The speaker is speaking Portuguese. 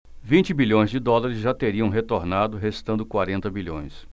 vinte bilhões de dólares já teriam retornado restando quarenta bilhões